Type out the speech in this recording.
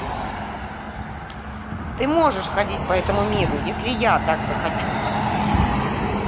ты можешь ходить по этому миру если я так захочу